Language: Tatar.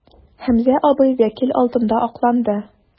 Хәмзә абый вәкил алдында акланды.